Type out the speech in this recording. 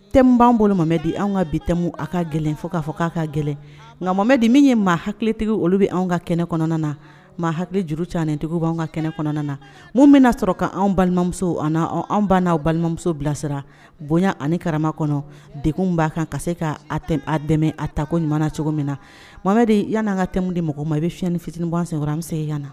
T b'an bolo mamɛ anw ka bi tɛmɛmu a ka gɛlɛn fo k'a fɔ k'a ka gɛlɛn nka mamamɛ de min ye maa hakilitigiw olu bɛ anw ka kɛnɛ kɔnɔna na maa hakili juru catigiw bɛ'an ka kɛnɛ kɔnɔna na mun bɛna'a sɔrɔ k' anw balimamuso anw ban n'aw balimamuso bilasira bonya ani karama kɔnɔ deg b'a kan ka se k' dɛmɛ a ta ko ɲuman cogo min na mama yan'an ka tɛmɛmu di mɔgɔ ma i bɛ fi fiɲɛ ni fitinin ganan sen an bɛ se yanana